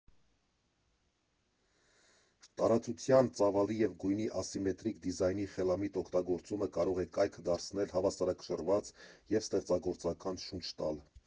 Տարածության, ծավալի և գույնի ասիմետրիկ դիզայնի խելամիտ օգտագործումը կարող է կայքը դարձնել հավասարակշռված և ստեղծագործական շունչ տալ։